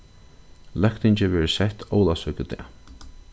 løgtingið verður sett ólavsøkudag